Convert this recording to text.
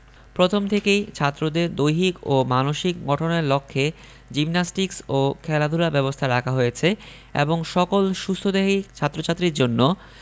প্রথম থেকেই ছাত্রদের দৈহিক ও মানসিক গঠনের লক্ষ্যে জিমনাস্টিকস ও খেলাধুলার ব্যবস্থা রাখা হয়েছে এবং সকল সুস্থদেহী ছাত্র ছাত্রীর জন্য